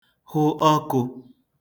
hụ ọkụ̄